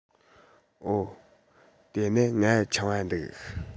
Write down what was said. འོ དེས ན ང ཆུང བ འདུག